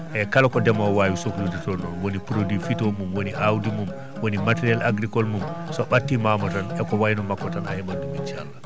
eeyi kala ko ndemoowo waawi sohlude toon woni produit phyto mum woni aawdi mum woni matériel agricol mum so ɓattimaama tan e ko wayi no makko tan a heɓat ɗum inchallah